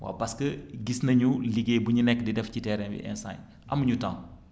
waaw parce que gis nañu liggéey bu ñu nekk di def ci terrain bi instant yii amuñu temps